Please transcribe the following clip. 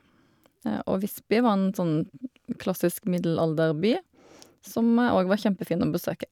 Og Visby var en sånn klassisk middelalderby som òg var kjempefin å besøke.